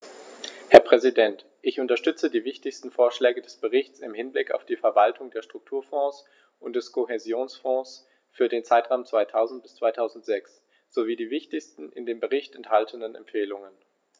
Herr Präsident, ich unterstütze die wichtigsten Vorschläge des Berichts im Hinblick auf die Verwaltung der Strukturfonds und des Kohäsionsfonds für den Zeitraum 2000-2006 sowie die wichtigsten in dem Bericht enthaltenen Empfehlungen.